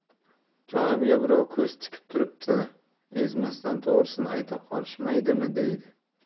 joyimga birov ko'z tikib turibdi ezmasdan to'g'risini ayta qolishmaydimi deydi